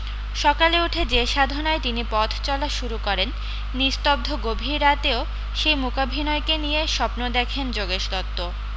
সকালে উঠে যে সাধনায় তিনি পথ চলা শুরু করেন নিস্তব্ধ গভীর রাতেও সেই মূকাভিনয়কে নিয়ে স্বপ্ন দেখেন যোগেশ দত্ত